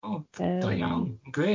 O da iawn, grêt.